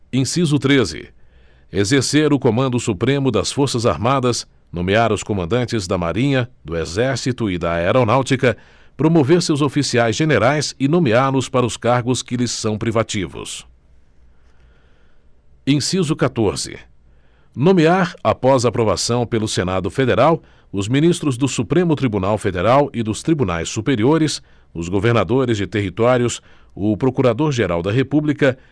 inciso treze exercer o comando supremo das forças armadas nomear os comandantes da marinha do exército e da aeronáutica promover seus oficiais generais e nomeá los para os cargos que lhes são privativos inciso catorze nomear após aprovação pelo senado federal os ministros do supremo tribunal federal e dos tribunais superiores os governadores de territórios o procurador geral da república